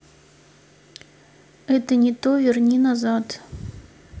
это не то верни назад